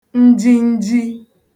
njinji